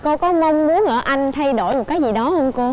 cô có mong muốn ở anh thay đổi một cái gì đó hông cô